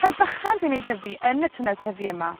rhai bychan dwi'n eu dyfu yn y twnnel tyfu yma